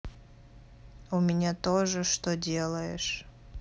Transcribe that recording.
у меня тоже что делаешь